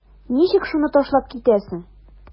Ничек шуны ташлап китәсең?